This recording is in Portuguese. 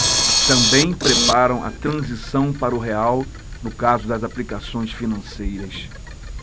também preparam a transição para o real no caso das aplicações financeiras